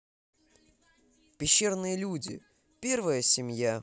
пещерные люди первая семья